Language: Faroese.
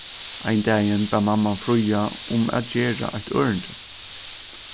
ein dagin bað mamman fríða um at gera eitt ørindi